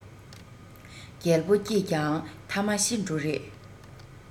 རྒྱལ པོ སྐྱིད ཀྱང ཐ མ ཤི འགྲོ རེད